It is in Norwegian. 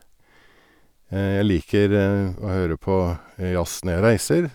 Jeg liker å høre på jazz når jeg reiser.